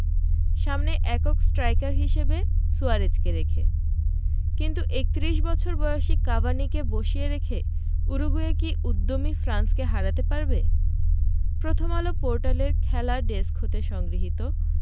সামনে একক স্ট্রাইকার হিসেবে সুয়ারেজকে রেখে কিন্তু ৩১ বছর বয়সী কাভানিকে বসিয়ে রেখে উরুগুয়ে কি উদ্যমী ফ্রান্সকে হারাতে পারবে প্রথমআলো পোর্টালের খেলা ডেস্ক হতে সংগৃহীত